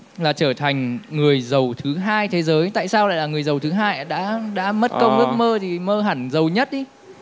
là trở thành người giàu thứ hai thế giới tại sao lại là người giàu thứ hai đã đã mất công ước mơ đi mơ hẳn giàu nhất đi